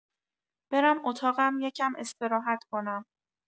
برم اتاقم یکم استراحت کنم.